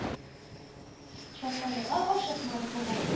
Шатланырга ашыкмады бугай.